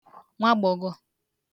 nwagbọgọ̄